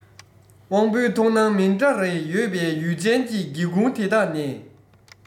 དབང པོའི མཐོང སྣང མི འདྲ རེ ཡོད པའི ཡུལ ཅན གྱི སྒེའུ ཁུང དེ དག ནས